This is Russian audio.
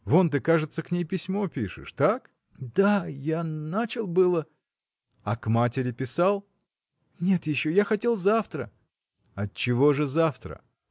Вот ты, кажется, к ней письмо пишешь? Так? – Да. я начал было. – А к матери писал? – Нет еще, я хотел завтра. – Отчего же завтра?